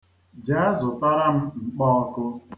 Jee, zụtara m mkpọọkụ.